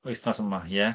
Wythnos yma, ie.